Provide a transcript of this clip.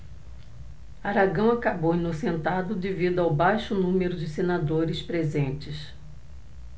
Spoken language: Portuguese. aragão acabou inocentado devido ao baixo número de senadores presentes